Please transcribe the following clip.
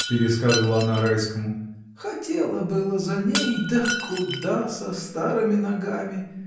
— пересказывала она Райскому, — хотела было за ней, да куда со старыми ногами!